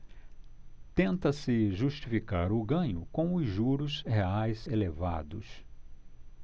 tenta-se justificar o ganho com os juros reais elevados